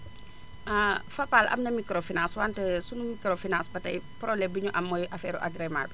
Fapal am na microfinance wante sunu microfinance ba tey problème bi ñu am mooy affaire ru agrément bi